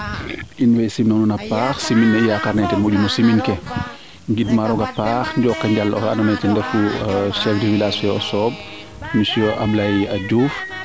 in way simna nuun a paax simin yakar ke ten moƴu no simin ke ngind ma roog a paax njoka njal oxe ando naye ten refu chef du village fe o sooɓ monsieur Ablaye Diouf